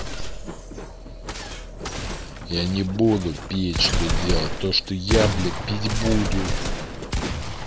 я не буду петь что дела то что я блядь пить буду